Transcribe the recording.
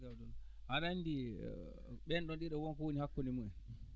aɗa anndi ɓeen ɗoon ɗiɗo wonko woni hakkunde mumen